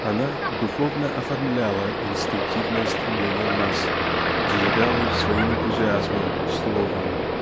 Она духовно оформляла инстинктивные стремления масс зажигала их своим энтузиазмом -- словом